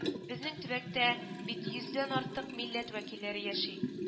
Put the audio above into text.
Безнең төбәктә бит йоздән артык милләт вәкилләре яши